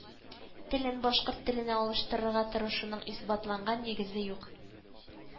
Телен башкорт теленә алыштырырга тырышуның исбатланган нигезе юк